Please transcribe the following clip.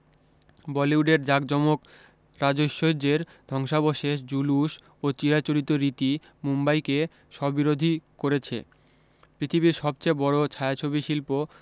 বলিউডের জাকজমক রাজৈশর্য্যের ধংসাবশেষ জুলুশ ও চিরাচরিত রীতি মুম্বাইকে সবিরধী করেছে পৃথিবীর সবচেয়ে বড় ছায়াছবি শিল্প